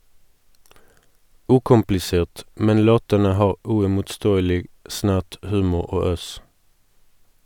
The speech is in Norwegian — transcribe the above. Ukomplisert, men låtene har uimotståelig snert, humor og øs.